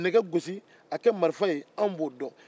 anw bɛ se ka nɛgɛ gosi k'a kɛ marifa ye